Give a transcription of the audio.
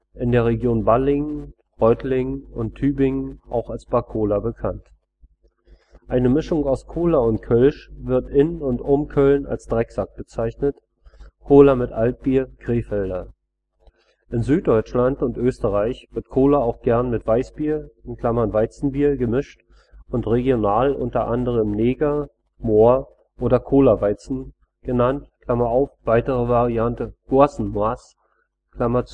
in der Region Balingen, Reutlingen und Tübingen auch als Bacola bekannt. Eine Mischung aus Cola und Kölsch wird in und um Köln als Drecksack bezeichnet, Cola mit Altbier Krefelder. In Süddeutschland und Österreich wird Cola auch gern mit Weißbier (Weizenbier) gemischt und regional unter anderem Neger, Mohr oder Colaweizen genannt (weitere Variante: siehe Goaßnmaß